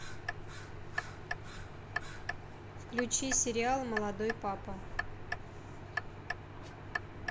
включи сериал молодой папа